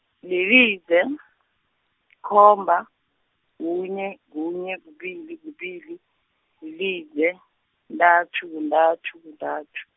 lilize, khomba, kunye, kunye, kubili, kubili, lilize, kuntathu, kuntathu, kuntathu.